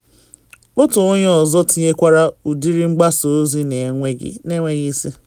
Otu onye ọzọ tinyekwara” “Ụdịrị mgbasa ozi na enweghị isi.”